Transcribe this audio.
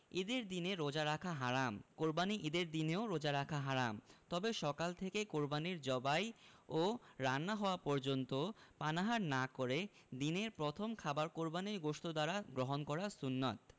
ঈদের দিনে রোজা রাখা হারাম কোরবানির ঈদের দিনেও রোজা রাখা হারাম তবে সকাল থেকে কোরবানি জবাই ও রান্না হওয়া পর্যন্ত পানাহার না করে দিনের প্রথম খাবার কোরবানির গোশত দ্বারা গ্রহণ করা সুন্নাত